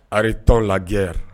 Arrêtons la guerre